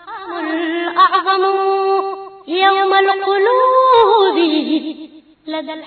San ɲa